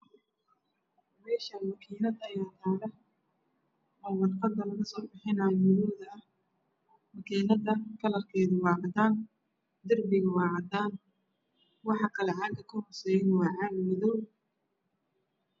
Meeshaan makiinad ayaa taalo oo warqada laga soo bixinaayo madow tahay. Makiinada kalarkeedu waa cadaan darbiguna Waa cadaan waxaa kaloo kahooseeyo waa caag.